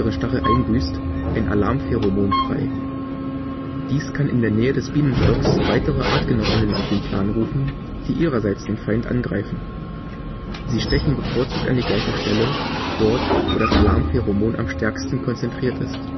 Stachel einbüßt, ein Alarmpheromon frei. Dies kann in der Nähe des Bienenstocks weitere Artgenossinnen auf den Plan rufen, die ihrerseits den Feind angreifen. Sie stechen bevorzugt an die gleiche Stelle, dort, wo das Alarmpheromon am stärksten konzentriert ist